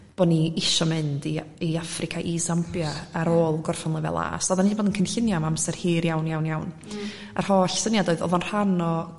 bo ni isio mynd i i Affrica i Zambia ar ôl gorffen lefel a so odda ni di bod yn cynllunio am amser hir iawn iawn iawn ar holl syniad oedd odd o'n rhan o